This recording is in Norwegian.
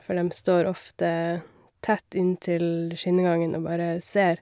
For dem står ofte tett inntil skinnegangen og bare ser.